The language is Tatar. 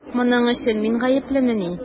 Моның өчен мин гаеплемени?